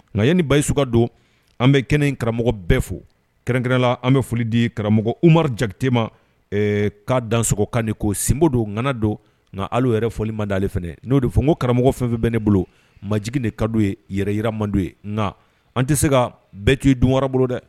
Nka ye ni bayi suka don an bɛ kɛ karamɔgɔ bɛɛ fo kɛrɛnkɛla an bɛ foli di karamɔgɔ uma jakitema k'a dansɔgɔkan ko sinbobon don nanaana don nka hali yɛrɛ fɔli ma dalenale fana n'o de fɔ n ko karamɔgɔ fɛn fɛn bɛ ne bolo maj de ka ye yɛrɛ yira man ye nka an tɛ se ka bɛɛ tun ye dun wara bolo dɛ